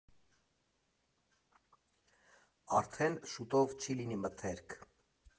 Արդեն շուտով չի լինի մթերք։